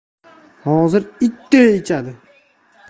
hozir itdek ichadi